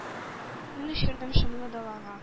Мин очырдым шомлы далага,